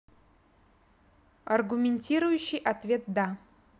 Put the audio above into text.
аргументирующий ответ да